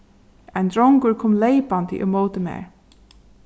ein drongur kom leypandi ímóti mær